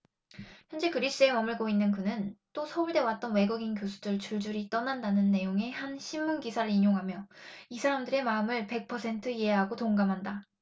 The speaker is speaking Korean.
현재 그리스에 머물고 있는 그는 또 서울대 왔던 외국인 교수들 줄줄이 떠난다는 내용의 한 신문기사를 인용하며 이 사람들의 마음을 백 퍼센트 이해하고 동감한다